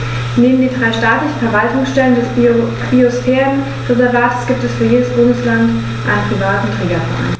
Neben den drei staatlichen Verwaltungsstellen des Biosphärenreservates gibt es für jedes Bundesland einen privaten Trägerverein.